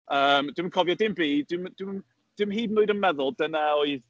Yym, dwi'm yn cofio dim byd. Dwi'm dwi'm dwi'm hyd yn oed yn meddwl dyna oedd...